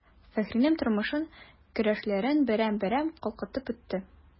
Фәхринең тормышын, көрәшләрен берәм-берәм калкытып үтте.